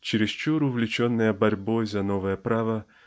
Чересчур увлеченные борьбой за новое право